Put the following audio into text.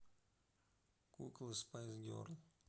куклы спайс герл